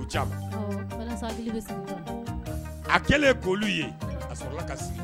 A kɛlen' ye ka